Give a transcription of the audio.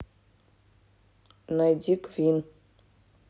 найди квин